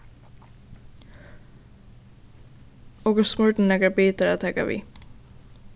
okur smurdu nakrar bitar at taka við